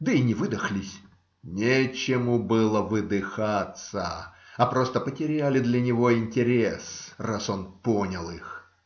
Да и не выдохлись, "нечему было выдыхаться", а просто потеряли для него интерес, раз он понял их.